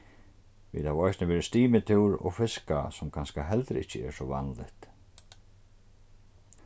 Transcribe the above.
vit hava eisini verið stimitúr og fiskað sum kanska heldur ikki er so vanligt